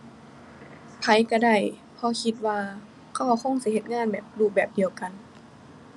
ไผก็ได้ เพราะคิดว่าเขาก็คงสิเฮ็ดงานแบบ รูปแบบเดียวกัน